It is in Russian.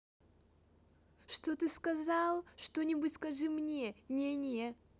что ты сказала что нибудь скажи мне не не